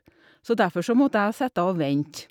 Så derfor så måtte jeg sitte og vente.